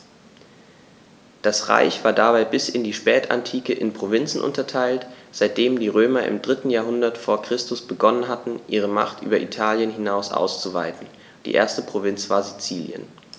Das Reich war dabei bis in die Spätantike in Provinzen unterteilt, seitdem die Römer im 3. Jahrhundert vor Christus begonnen hatten, ihre Macht über Italien hinaus auszuweiten (die erste Provinz war Sizilien).